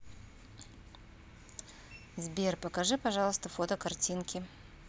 сбер покажи пожалуйста фото картинки